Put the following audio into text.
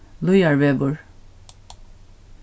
líðarvegur